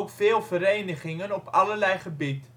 veel verenigingen op allerlei gebieden